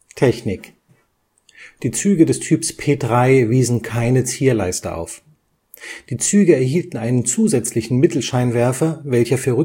Die Züge des Typs P 3 wiesen keine Zierleiste auf. Die Züge erhielten einen zusätzlichen Mittelscheinwerfer, welcher für